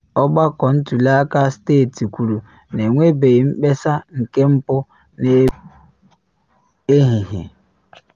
Ọgbakọ ntuli aka steeti kwuru na enwebeghị mkpesa nke mpụ n’ebe 1 ehihie.